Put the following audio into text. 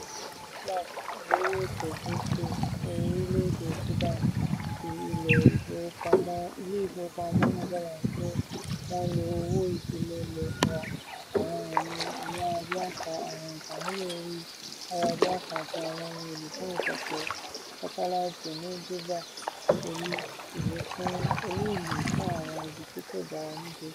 Laurence Clarke, olórí ètò gúúsù orílẹ̀ èdè Sudan ti ilé ìfowópamọ́ náà, ṣàlàyé pé wọ́n lo owó ìfilọ́lẹ̀ ra àwọn ẹ̀rọ ayárabíàsá, ohun ìsàmúlò orí ayárabíàsá àti àwọn ohun èlò fún ìsopọ̀ sátẹ́láìtì ní Juba, olú - ìlú fún àwọn ibi tí kò dára ní gúúsù.